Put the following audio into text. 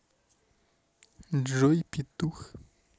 джой петух